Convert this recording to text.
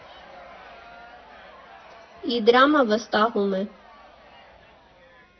Իդրամը վստահում է։